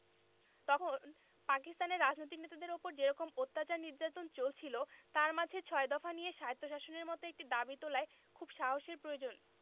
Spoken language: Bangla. তখন পাকিস্তানের রাজনৈতিক নেতাদের ওপর যেরকম অত্যাচার নির্যাতন চলছিল তার মাঝে ছয় দফা দিয়ে স্বায়ত্ব শাসনের মতো একটি দাবি তোলায় খুব সাহসের প্রয়োজন